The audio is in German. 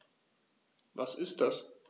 Was ist das?